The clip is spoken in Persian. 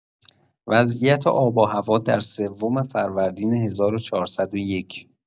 وضعیت آب و هوا در سوم فروردین ۱۴۰۱